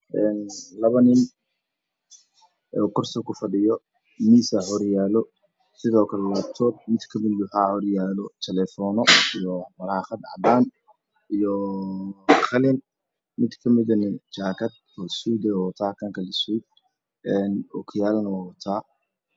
Waxaa ii muuqda nin wata suuudba luugan yoo keello iyo mid wato laabto iyo suud madow ah ishaar cad